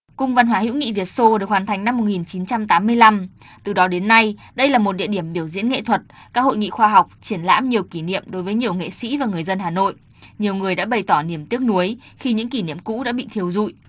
cung văn hóa hữu nghị việt xô được hoàn thành năm một nghìn chín trăm tám mươi lăm từ đó đến nay đây là một địa điểm biểu diễn nghệ thuật các hội nghị khoa học triển lãm nhiều kỷ niệm đối với nhiều nghệ sĩ và người dân hà nội nhiều người đã bày tỏ niềm tiếc nuối khi những kỷ niệm cũ đã bị thiêu rụi